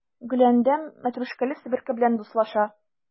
Гөләндәм мәтрүшкәле себерке белән дуслаша.